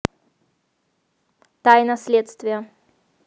тайна следствия